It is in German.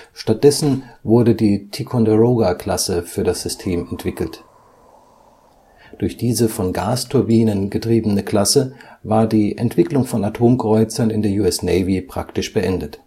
Stattdessen wurde die Ticonderoga-Klasse für das System entwickelt. Durch diese von Gasturbinen getriebene Klasse war die Entwicklung von Atomkreuzern in der US Navy praktisch beendet